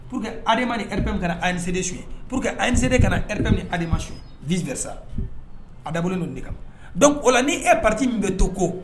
Pur que adama kana alizden suye pur que ali selenden ka nada ni adamalimas vzv sa a da don de kama dɔnkuc o la ni e pati min bɛ to ko